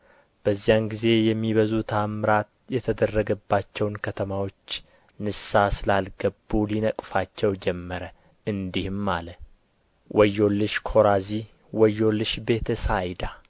በዚያን ጊዜ የሚበዙ ተአምራት የተደረገባቸውን ከተማዎች ንስሐ ስላልገቡ ሊነቅፋቸው ጀመረ እንዲህም አለ ወዮልሽ ኮራዚ ወዮልሽ ቤተ ሳይዳ